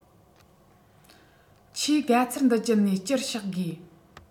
ཁྱིའི དགའ ཚལ འདི རྒྱུད ནས དཀྱིལ བཤགས དགོས